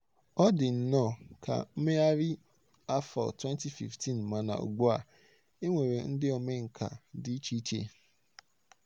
Ọ dị nnọ ka mmegharị afọ 2015 mana ugbua, e nwere ndị omenkà dị icheiche.